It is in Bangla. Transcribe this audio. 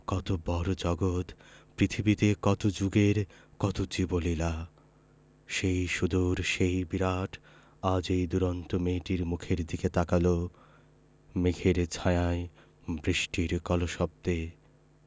কত বড় জগত পৃথিবীতে কত যুগের কত জীবলীলা সেই সুদূর সেই বিরাট আজ এই দুরন্ত মেয়েটির মুখের দিকে তাকাল মেঘের ছায়ায় বৃষ্টির কলশব্দে